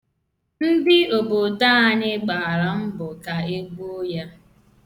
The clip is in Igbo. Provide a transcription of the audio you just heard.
Ndị obodo anyị gbara mbọ ka egbuo ya.